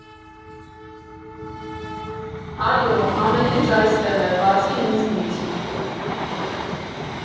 Այո՛, ամեն ինչ այստեղ է, բացի ինձնից։